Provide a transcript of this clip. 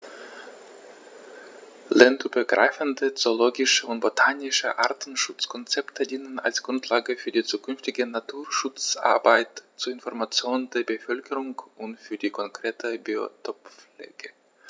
Länderübergreifende zoologische und botanische Artenschutzkonzepte dienen als Grundlage für die zukünftige Naturschutzarbeit, zur Information der Bevölkerung und für die konkrete Biotoppflege.